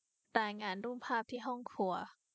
รายงานรูปภาพที่ห้องครัว